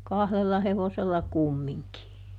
kahdella hevosella kumminkin